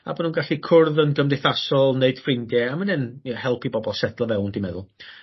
A bo' nw'n gallu cwrdd yn gymdeithasol neud ffrindie a ma' wne'n ie helpu bobol setlo fewn dwi meddwl.